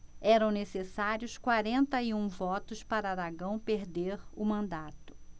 eram necessários quarenta e um votos para aragão perder o mandato